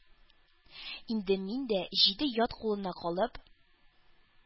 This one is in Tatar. Инде мин дә, җиде ят кулына калып